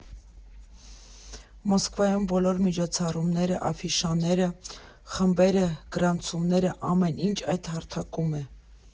Մոսկվայում բոլոր միջոցառումները, աֆիշաները, խմբերը, գրանցումները՝ ամեն ինչ այդ հարթակում է։